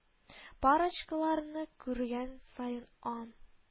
Парочкаларны күргән саен ан